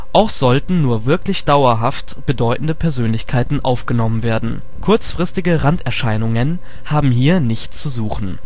Auch sollten nur wirklich dauerhaft bedeutende Persönlichkeiten aufgenommen werden; kurzfristige Randerscheinungen haben hier nichts zu suchen